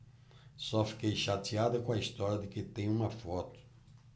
só fiquei chateada com a história de que tem uma foto